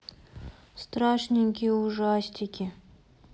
страшненькие ужастики